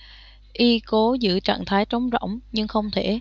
y cố giữ trạng thái trống rỗng nhưng không thể